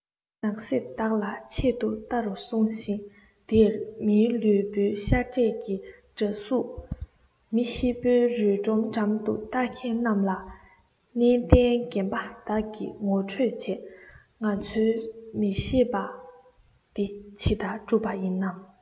ནགས གསེབ དག ལ ཆེད དུ བལྟ རུ སོང ཞིང དེར མིའི ལུས པོ བཤའ དཔྱད ཀྱི འདྲ གཟུགས མི ཤི བོའི རུས སྒྲོམ འགྲམ དུ ལྟ མཁན རྣམས ལ གནས བརྟན རྒན པ དག གིས ངོ སྤྲོད བྱས ང ཚོའི མི ཞེས པ འདི ཇི ལྟར གྲུབ པ ཡིན ནམ